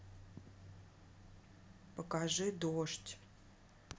покажи дождь